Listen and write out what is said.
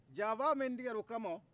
janfa min tigɛr'o ka ma